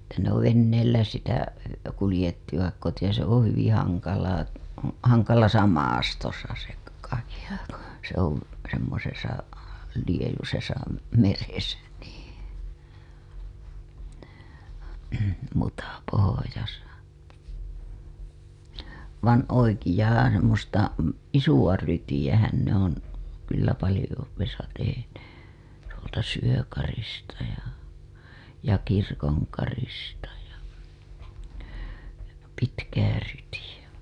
että ne on veneillä sitä kuljettivat kotia se on hyvin hankalaa hankalassa maastossa se kahila kun se on semmoisessa liejuisessa meressä niin mutapohjassa vaan oikeaa - semmoista isoa rytiähän ne on kyllä paljoudessa tehneet tuolta Syökarista ja ja Kirkonkarista ja pitkää ryytiä